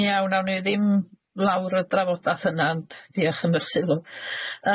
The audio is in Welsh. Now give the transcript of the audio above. Iawn awn ni ddim lawr y drafodath yna ond diolch am eich sylw.